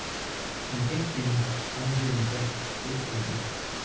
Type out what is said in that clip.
смотреть фильм анжелика все серии